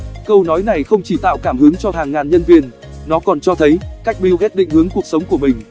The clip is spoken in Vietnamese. câu nói này không chỉ tạo cảm hứng cho hàng ngàn nhân viên nó còn cho thấy cách bill gates định hướng cuộc sống của mình